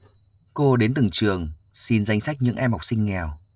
cô đến từng trường xin danh sách những em học sinh nghèo